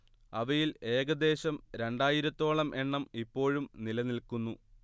അവയിൽ ഏകദ്ദേശം രണ്ടായിരത്തോളം എണ്ണം ഇപ്പോഴും നിലനിൽക്കുന്നു